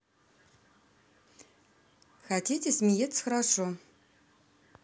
хотите смеется хорошо